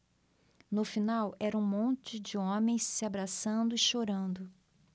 no final era um monte de homens se abraçando e chorando